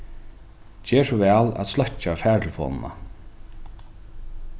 ger so væl at sløkkja fartelefonina